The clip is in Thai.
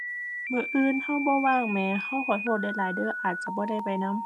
มื้ออื่นเราบ่ว่างแหม เราขอโทษหลายหลายเด้ออาจจะบ่ได้ไปนำ